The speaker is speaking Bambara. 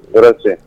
Hɛrɛ tɛ